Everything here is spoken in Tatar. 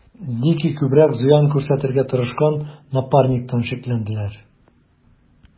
Дикий күбрәк зыян күрсәтергә тырышкан Напарниктан шикләнделәр.